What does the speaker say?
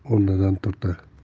solib o'rnidan turdi